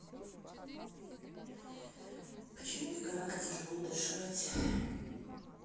почему в горах тяжело дышать